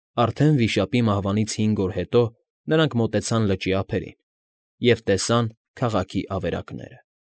Արդեն վիշապի մահվանից հինգ օր հետո նրանք մոտեցան լճի ափերին և տեսան քաղաքի ավերակները։